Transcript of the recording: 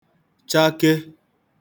chake